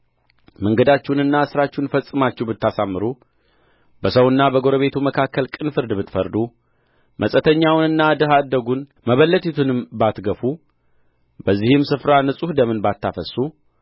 መንገዳችሁንና ሥራችሁን ፈጽማችሁ ብታሳምሩ በሰውና በጎረቤቱ መካከል ቅን ፍርድ ብትፈርዱ መጻተኛውንና ድሀ አደጉን መበለቲቱንም ባትገፉ በዚህም ስፍራ ንጹሕ ደምን ባታፈስሱ